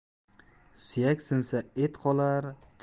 suyak sinsa et qolar